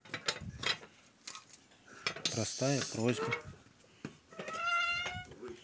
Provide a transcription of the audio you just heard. простая просьба